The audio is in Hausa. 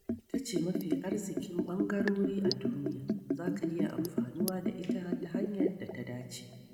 Ita ce mafi arziƙin ɓangarori a duniya. Za ka iya amfanuwa da ita ta hanyar da ta dace.